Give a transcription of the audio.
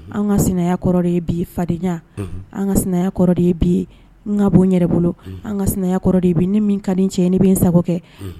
An ka kɔrɔ fadenya ɲɛ an ka kɔrɔ ka bɔ n yɛrɛ bolo an ka kɔrɔ ni ka cɛ ne bɛ sago kɛ